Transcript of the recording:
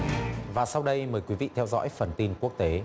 và sau đây mời quý vị theo dõi phần tin quốc tế